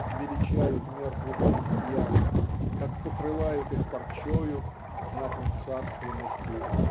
как величают мертвых крестьян как покрывают их парчою знаком царственности